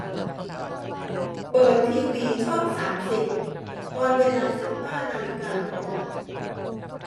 เปิดทีวีช่องสามสิบตอนเวลาสิบห้านาฬิกาตรง